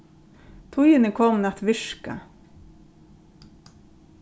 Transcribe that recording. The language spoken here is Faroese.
tíðin er komin at virka